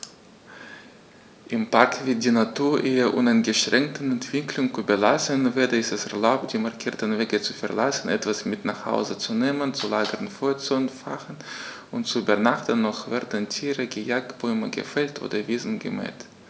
Im Park wird die Natur ihrer uneingeschränkten Entwicklung überlassen; weder ist es erlaubt, die markierten Wege zu verlassen, etwas mit nach Hause zu nehmen, zu lagern, Feuer zu entfachen und zu übernachten, noch werden Tiere gejagt, Bäume gefällt oder Wiesen gemäht.